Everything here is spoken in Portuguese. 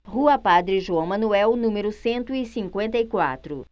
rua padre joão manuel número cento e cinquenta e quatro